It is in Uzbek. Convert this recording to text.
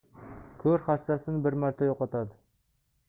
ko'r hassasini bir marta yo'qotadi